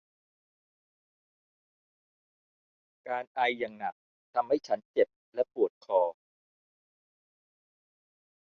การไออย่างหนักทำให้ฉันเจ็บและปวดคอ